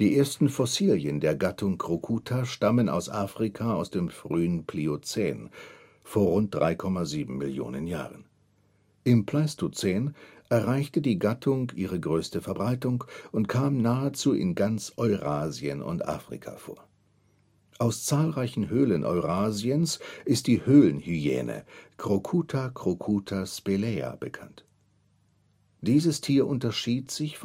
ersten Fossilien der Gattung Crocuta stammen aus Afrika aus dem frühen Pliozän, vor rund 3,7 Millionen Jahren. Im Pleistozän erreichte die Gattung ihre größte Verbreitung und kam nahezu in ganz Eurasien und Afrika vor. Aus zahlreichen Höhlen Eurasiens ist die Höhlenhyäne (Crocuta crocuta spelaea) bekannt. Dieses Tier unterschied sich